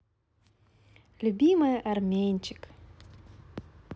любимая armenchik